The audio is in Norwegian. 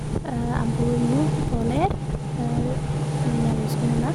Jeg bor nå på Ler i Melhus kommune.